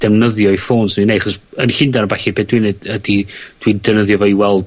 defnyddio'i ffôns nw i neud 'chos yn Llundain a ballu be' dwi'n neud ydi dwi'n defnyddio fo i weld